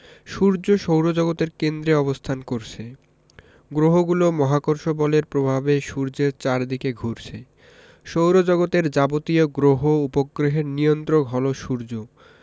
সূর্য সৌরজগতের কেন্দ্রে অবস্থান করছে গ্রহগুলো মহাকর্ষ বলের প্রভাবে সূর্যের চারদিকে ঘুরছে সৌরজগতের যাবতীয় গ্রহ উপগ্রহের নিয়ন্ত্রক হলো সূর্য